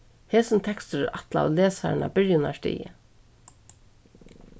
hesin tekstur er ætlaður lesarum á byrjanarstigi